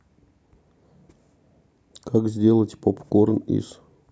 как сделать попкорн из